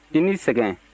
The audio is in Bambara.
i ni sɛgɛn